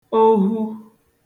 ohu